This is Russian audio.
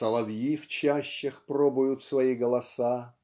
"соловьи в чащах пробуют свои голоса"